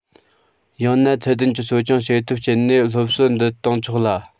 ཡང ན ཚད ལྡན གྱི གསོ སྐྱོང བྱེད ཐབས སྤྱད ནས སློབ གསོ འདི བཏང ཆོག ལ